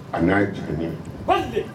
A n'a ye jigin ye